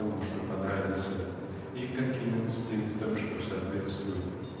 кому что понравится и каким инстинктам что соответствует.